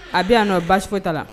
A bɛ yan nɔ baasi basi foyi taa la